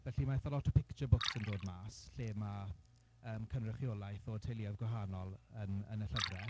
Felly ma' eitha lot o picture books yn dod mas lle ma' yym cynrychiolaeth o teuluoedd gwahanol yn yn y llyfrau.